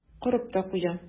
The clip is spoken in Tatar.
Корып та куя.